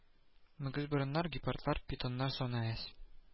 Мөгезборыннар, гепардлар, питоннар саны әз